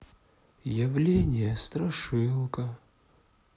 явление страшилка